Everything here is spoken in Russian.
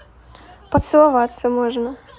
поцеловаться можно